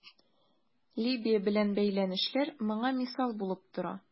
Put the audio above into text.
Либия белән бәйләнешләр моңа мисал булып тора.